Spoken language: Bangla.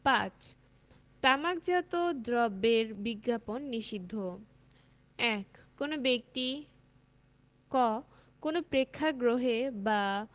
৫ তামাকজপাত দ্রব্যের বিজ্ঞাপন নিষিদ্ধঃ ১ কোন ব্যক্তিঃ ক কোন প্রেক্ষগ্রহে বা